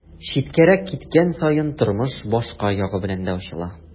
Читкәрәк киткән саен тормыш башка ягы белән дә ачыла.